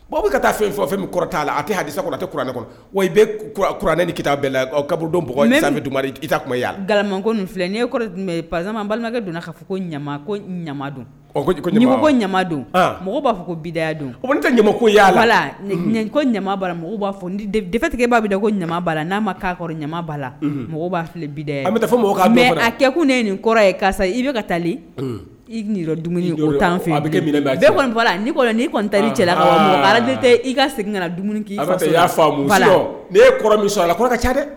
Bɔ bɛ ka taa fɛn fɔ fɛn kɔrɔ' la a tɛ hasa tɛ kuranɛ kɔ wa iuranɛ ni ki la kabdo gaman ko filɛ n paz n balimakɛ donna k'a fɔ ko ko ɲama mɔgɔ b'a fɔ ko bi da don ko ne tɛ ɲa ko ko'a fɔtigi b'a ko ɲamaba la n'a ma kɔrɔ la mɔgɔ b'a bida a bɛ fɔ kɛ ko ne ye nin kɔrɔ ye karisa i bɛ ka taa i dumuni tan ni cɛ tɛ i ka segin dumuni a ka ca dɛ